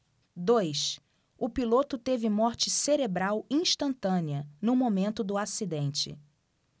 dois o piloto teve morte cerebral instantânea no momento do acidente